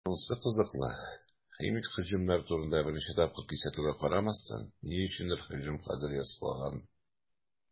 Шунысы кызыклы, химик һөҗүмнәр турында берничә тапкыр кисәтүгә карамастан, ни өчендер һөҗүм хәзер ясалган.